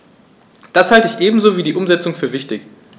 Das halte ich ebenso wie die Umsetzung für wichtig.